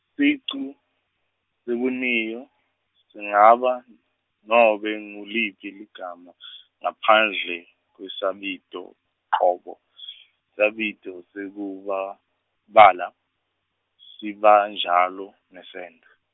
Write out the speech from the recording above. sicu sebuniyo singaba n-, nobe nguliphi ligama , ngaphandle kwesabitocobo , sabito sekuba bala, sibanjalo nesento.